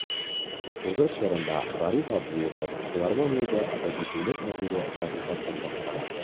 Сугыш чорында Гариф абзыебыз филармониядә әдәби бүлек мөдире вазыйфасын башкара.